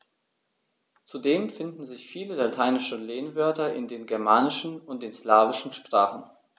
Zudem finden sich viele lateinische Lehnwörter in den germanischen und den slawischen Sprachen.